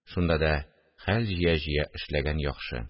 Шунда да хәл җыя-җыя эшләгән яхшы